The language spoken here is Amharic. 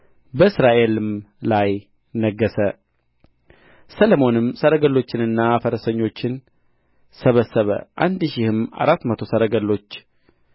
በእስራኤልም ላይ ነገሠ ሰሎሞንም ሰረገሎቹንና ፈረሰኞችን ሰበሰበ አንድ ሺህም አራት መቶ ሰረገሎች